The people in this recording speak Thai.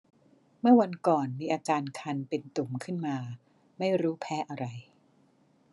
เมื่อวันก่อนมีอาการคันเป็นตุ่มขึ้นมาไม่รู้แพ้อะไร